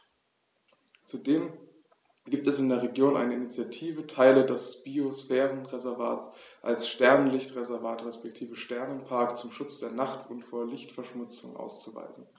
Zudem gibt es in der Region eine Initiative, Teile des Biosphärenreservats als Sternenlicht-Reservat respektive Sternenpark zum Schutz der Nacht und vor Lichtverschmutzung auszuweisen.